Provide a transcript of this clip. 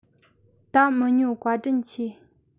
ད མི ཉོ བཀའ དྲིན ཆེ